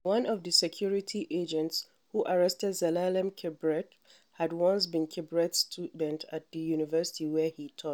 One of the security agents who arrested Zelalem Kibret had once been Kibret's student at the university where he taught.